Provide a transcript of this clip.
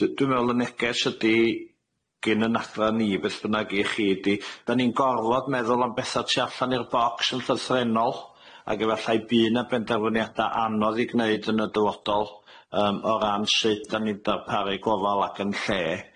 D- dwi'n me'wl y neges ydi gin yn adra ni beth bynnag i chi ydi dan ni'n gorfod meddwl am betha tu allan i'r bocs yn llythrennol ag efallai by' na benderfyniada anodd i gneud yn y dywodol yym o ran shwt dan ni'n darparu gofal ac yn lle.